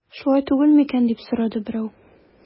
Шулай түгел микән дип сорады берәү.